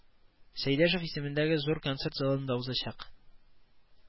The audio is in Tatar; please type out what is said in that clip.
Сәйдәшев исемендәге Зур концерт залында узачак